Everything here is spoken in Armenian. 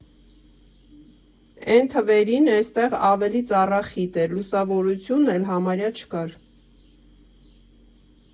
Էն թվերին էստեղ ավելի ծառախիտ էր, լուսավորություն էլ համարյա չկար։